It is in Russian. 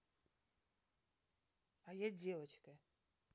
а я девчонка